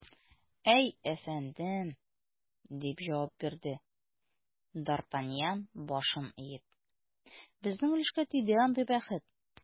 Әйе, әфәндем, - дип җавап бирде д’Артаньян, башын иеп, - безнең өлешкә тиде андый бәхет.